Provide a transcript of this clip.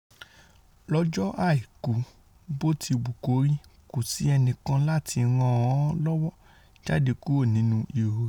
Lọ́jọ́ Àìku, botiwukori, kòsí ẹnikan láti ràn ọ́ lọ́wọ́ jáde kúrò nínú ihò rẹ.